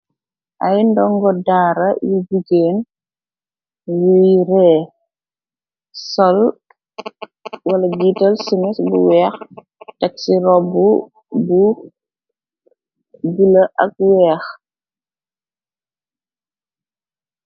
Ay ndongo daara yu bigéen yuy ree sol wala giital sinis bu weex tax ci robbu bu bila ak weex.